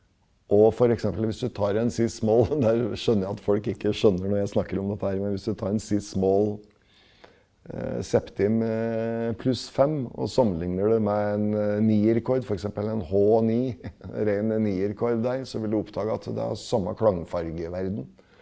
og f.eks. hvis du tar en ciss-moll der skjønner jeg at folk ikke skjønner når jeg snakker om dette her, men hvis du tar en ciss-moll septim pluss fem og sammenligner det med en nierakkord f.eks. en h-ni rein nierkord der, så vil du oppdage at det har samme klangfargeverden.